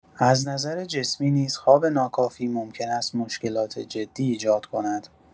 از نظر جسمی نیز خواب ناکافی ممکن است مشکلات جدی ایجاد کند.